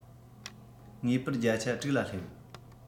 ངེས པར རྒྱ ཆ དྲུག ལ སླེབས